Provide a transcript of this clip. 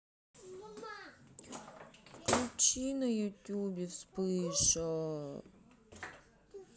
включи на ютубе вспыша